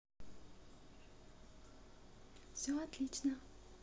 что отлично